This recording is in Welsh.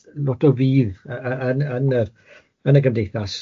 lot o fudd yy yy yn yn yn y gymdeithas.